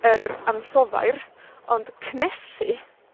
Yr ansoddair. Ond cnesu,